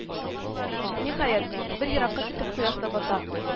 Ниһаять, бик еракка китеп кояш та бата